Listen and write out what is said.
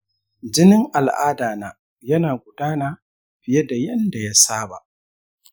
jinin al'ada na yana gudana fiye da yanda ya saba.